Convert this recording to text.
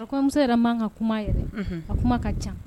Kɔɲɔmuso yɛrɛ makan ka kuma yɛrɛ. Unhun. A kuma ka ca.